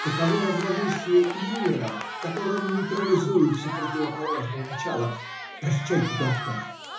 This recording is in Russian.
Таково равновесие и мира, в котором нейтрализуются противоположные начала. Прощайте, доктор!